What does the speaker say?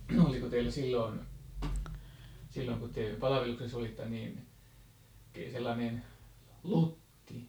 oliko teillä silloin silloin kun te palveluksessa olitte niin sellainen luhti